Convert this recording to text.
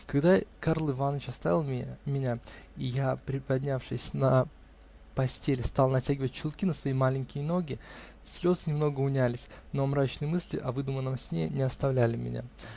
Когда Карл Иваныч оставил меня и я, приподнявшись на постели, стал натягивать чулки на свои маленькие ноги, слезы немного унялись, но мрачные мысли о выдуманном сне не оставляли меня.